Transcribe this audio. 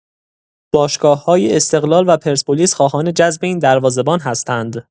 باشگاه‌های استقلال و پرسپولیس خواهان جذب این دروازه‌بان هستند.